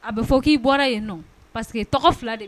A bɛ fɔ k'i bɔra yen nɔ parce tɔgɔ fila de